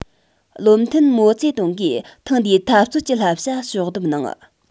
བློ མཐུན མའོ ཙེ ཏུང གིས ཐེངས དེའི འཐབ རྩོད ཀྱི བསླབ བྱ ཕྱོགས བསྡོམས གནང